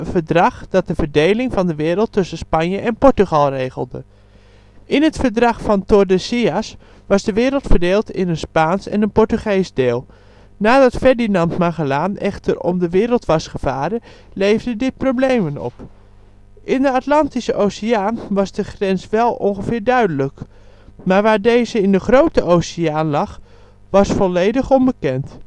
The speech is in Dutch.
verdrag dat de verdeling van de wereld tussen Spanje en Portugal regelde. In het verdrag van Tordesillas was de wereld verdeeld in een Spaans en een Portugees deel. Nadat Ferdinand Magellaan echter om de wereld was gevaren, leverde dit problemen op. In de Atlantische Oceaan was de grens wel ongeveer duidelijk, maar waar deze in de Grote Oceaan lag was volledig onbekend